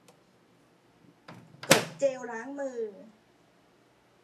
กดเจลล้างมือ